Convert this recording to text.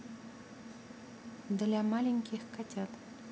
для маленьких котят